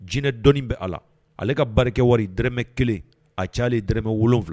Jinɛinɛ dɔn bɛ a la ale ka barikakɛ wari drɛmɛ kelen a cayaale drɛmɛ wolonwula